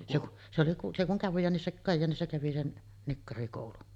se kun se kun Kajaanissa Kajaanissa kävi sen nikkarikoulun